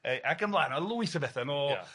Yy ac ymlaen ma' lwyth o bethe ma' o... Ia.